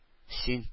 Син